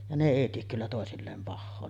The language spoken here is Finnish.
ja ne ei tee kyllä toisilleen pahaa